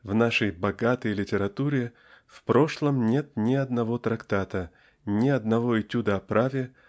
в нашей "богатой" литературе в прошлом нет ни одного трактата ни одного этюда о праве